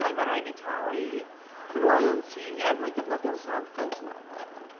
Like, mae rhaid ni talu royalties er mwyn defnyddio’r sample, ti’n meddwl?